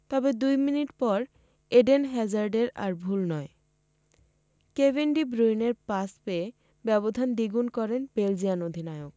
তবে দুই মিনিট পর এডেন হ্যাজার্ডের আর ভুল নয় কেভিন ডি ব্রুইনের পাস পেয়ে ব্যবধান দ্বিগুণ করেন বেলজিয়ান অধিনায়ক